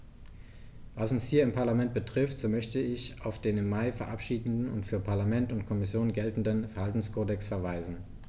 Was uns hier im Parlament betrifft, so möchte ich auf den im Mai verabschiedeten und für Parlament und Kommission geltenden Verhaltenskodex verweisen.